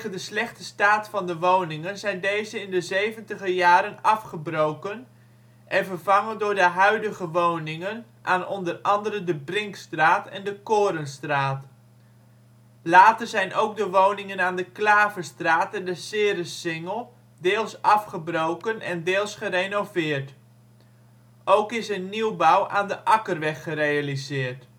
de slechte staat van de woningen zijn deze in de zeventiger jaren afgebroken en vervangen door de huidige woningen aan onder andere de Brinkstraat en de Korenstraat. Later zijn ook de woningen aan de Klaverstraat en de Ceressingel deels afgebroken en deels gerenoveerd. Ook is er nieuwbouw aan de Akkerweg gerealiseerd